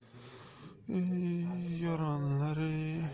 shundoq mahmud bukur bilan qo'shni turadi da